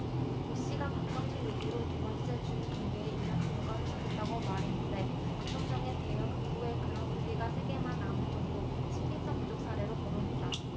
오씨가 박 경정 요구로 두번째 준 금괴의 일련번호가 훼손됐다고 말했는데 박 경정의 대여금고에 그런 금괴가 세 개만 남은 점도 신빙성 부족 사례로 거론했다